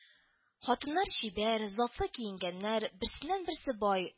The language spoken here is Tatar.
Хатыннар чибәр, затлы киенгәннәр, берсеннән-берсе бай